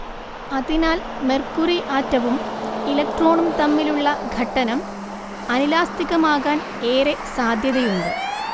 അതിനാൽ മെർക്കുറി ആറ്റവും ഇലക്ട്രോണും തമ്മിലുള്ള ഘട്ടനം അനിലാസ്തികമാകാൻ ഏറെ സാധ്യതയുണ്ട്